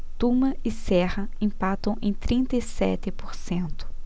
tuma e serra empatam em trinta e sete por cento